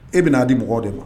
E bɛn'a di mɔgɔw de ma